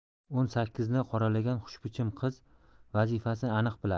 o'n sakkizni qoralagan xushbichim qiz vazifasini aniq biladi